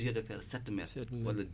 pourquoi parce que